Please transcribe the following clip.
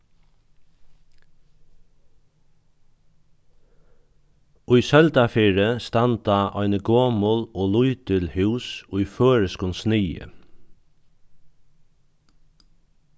í søldarfirði standa eini gomul og lítil hús í føroyskum sniði